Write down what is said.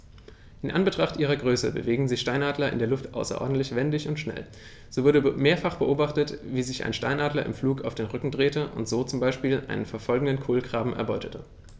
In Anbetracht ihrer Größe bewegen sich Steinadler in der Luft außerordentlich wendig und schnell, so wurde mehrfach beobachtet, wie sich ein Steinadler im Flug auf den Rücken drehte und so zum Beispiel einen verfolgenden Kolkraben erbeutete.